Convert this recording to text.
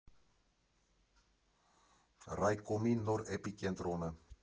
Ռայկոմի նոր էպիկենտրոնը։